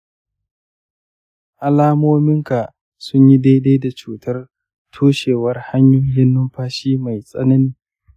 alamominka sun yi daidai da cutar toshewar hanyoyin numfashi mai tsanani.